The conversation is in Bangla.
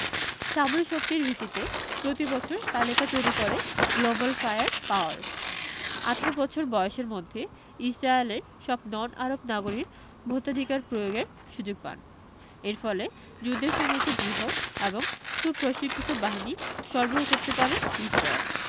সামরিক শক্তির ভিত্তিতে প্রতিবছর তালিকা তৈরি করে গ্লোবাল ফায়ার পাওয়ার ১৮ বছর বয়সের মধ্যে ইসরায়েলের সব নন আরব নাগরিক ভোটাধিকার প্রয়োগের সুযোগ পান এর ফলে যুদ্ধের সময় একটি বৃহৎ এবং সুপ্রশিক্ষিত বাহিনী সরবরাহ করতে পারে ইসরায়েল